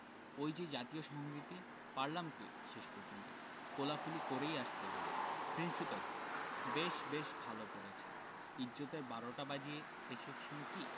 ওই যে জাতীয় সংগিতি পারলাম কই শেষ পর্যন্ত কোলাকুলি করেই আসতে হলো প্রিন্সিপাল বেশ বেশ ভালো করেছেন ইজ্জতের বারোটা বাজিয়ে এসেছেন কি